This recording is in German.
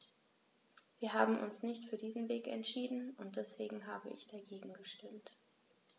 Wir haben uns nicht für diesen Weg entschieden, und deswegen habe ich dagegen gestimmt.